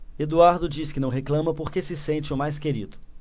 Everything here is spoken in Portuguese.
eduardo diz que não reclama porque se sente o mais querido